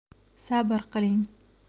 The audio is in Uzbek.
sabr qiling